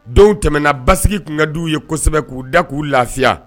Don tɛmɛna basisigi tun ka d'u ye kosɛbɛ, k'u da k'u lafiya